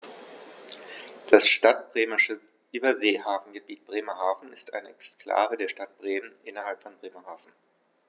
Das Stadtbremische Überseehafengebiet Bremerhaven ist eine Exklave der Stadt Bremen innerhalb von Bremerhaven.